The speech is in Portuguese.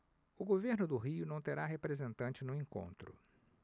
o governo do rio não terá representante no encontro